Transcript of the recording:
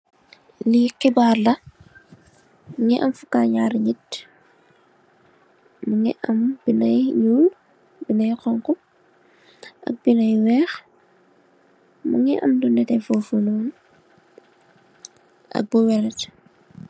Li heebar la, mungi am fukat naari nëtt. Mungi am binda yu ñuul, binda yu honku ak binda yu weeh. Mungi am lu nètè fofunoon ak bu vert.